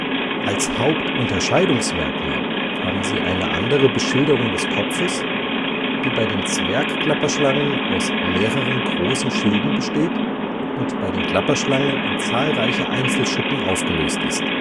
Als Hauptunterscheidungsmerkmal haben sie eine andere Beschilderung des Kopfes, die bei den Zwergklapperschlangen aus mehreren großen Schilden besteht und bei den Klapperschlangen in zahlreiche Einzelschuppen aufgelöst ist